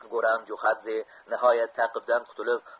guram jo'xadze nihoyat ta'qibdan qutulib